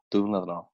dwy flynadd yn nôl